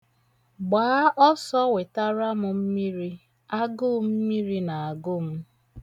Gbaa ọsọ wetara m mmiri, agụụ mmiri na agụ m